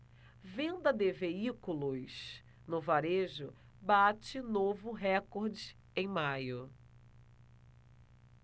venda de veículos no varejo bate novo recorde em maio